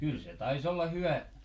kyllä se taisi olla hyvä